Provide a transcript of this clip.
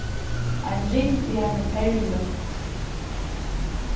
ein ring við eini perlu